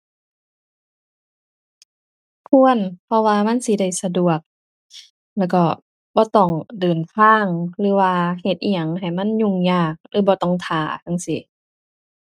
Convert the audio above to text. ควร เพราะว่ามันสิได้สะดวก แล้วก็บ่ต้องเดินทาง หรือว่าเฮ็ดอิหยังให้มันยุ่งยาก หรือบ่ต้องท่าจั่งซี้